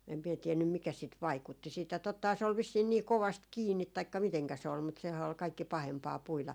en minä tiennyt mikä sitten vaikutti siitä tottahan se oli vissiin niin kovasti kiinni taikka miten se oli mutta sehän oli kaikkein pahempaa puida